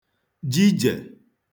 jijè